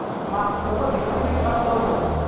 bạn sống ở thành phố chí minh bao nhiêu lâu rồi